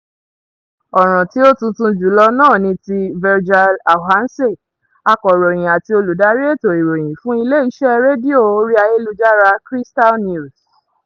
Ọ̀ràn tí ó tuntun jùlọ náà ni ti Virgile Ahouansè, akọ̀ròyìn àti olùdarí ètò ìròyìn fún ilé-iṣẹ́ rédíò orí ayélujára, Crystal News.